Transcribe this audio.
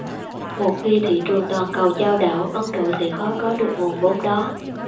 một khi thị trường toàn cầu chao đảo ấn độ sẽ khó có được nguồn vốn đó